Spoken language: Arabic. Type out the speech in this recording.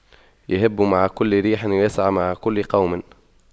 يَهُبُّ مع كل ريح ويسعى مع كل قوم